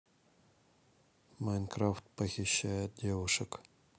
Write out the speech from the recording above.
майнкрафт похищает девушек